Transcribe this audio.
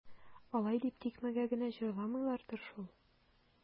Алай дип тикмәгә генә җырламыйлардыр шул.